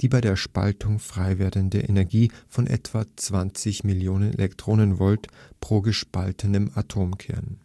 die bei der Spaltung freiwerdende Energie von etwa 200 Millionen Elektronenvolt pro gespaltenem Atomkern